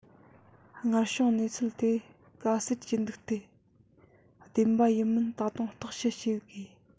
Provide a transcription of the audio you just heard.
སྔར བྱུང གནས ཚུལ དེ ག ཟེར གྱི འདུག སྟེ བདེན པ ཡིན མིན ད དུང བརྟག དཔྱད བྱེད དགོས